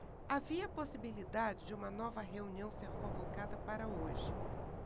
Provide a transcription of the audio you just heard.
havia possibilidade de uma nova reunião ser convocada para hoje